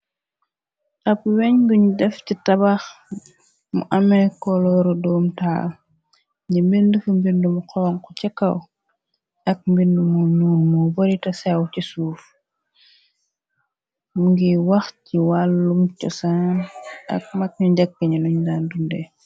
Ab weñ gu ñu def ci tabax, mu ame kolooru doom taaw, ñi mbind fu mbindmu xonqu, ca kaw ak mbind mu non, moo bari te sew ci suuf, ngiy wax ci wàllum cosaan, ak mag nu njakkiñu luñ daan dundee.